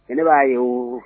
Ne b'a ye